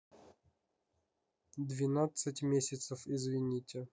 двенадцать месяцев извините